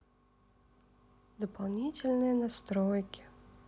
дополнительные настройки